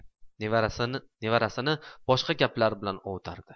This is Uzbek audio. nevarasini boshqa gaplar bilan ovutardi